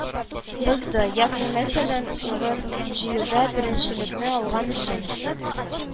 Бозды: ягъни мәсәлән, урып-җыюда беренчелекне алган өчен